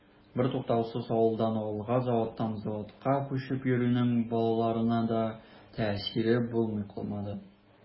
Бертуктаусыз авылдан авылга, заводтан заводка күчеп йөрүнең балаларына да тәэсире булмый калмады.